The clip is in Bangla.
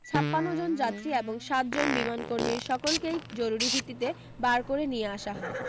ছাপান্ন জন যাত্রী এবং সাত জন বিমানকর্মীর সকলকেই জরুরি ভিত্তিতে বার করে নিয়ে আসা হয়